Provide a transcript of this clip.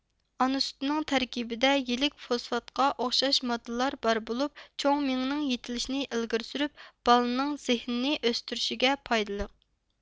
ئانا سۈتىنىڭ تەركىبىدە يىلىك فوسفاتىدقا ئوخشاش ماددىلار بار بولۇپ چوڭ مېڭىنىڭ يېتىلىشىنى ئىلگىرى سۈرۇپ بالىنىڭ زېھنىنى ئۆستۈرۈشكە پايدىلىق